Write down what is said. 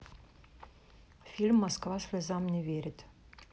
фильм москва слезам не верит